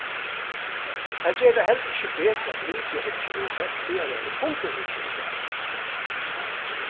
tað ger tað heldur ikki betri at lítið og einki verður selt dagarnar upp undir útsøludagin